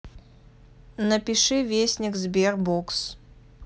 напиши вестник sberbox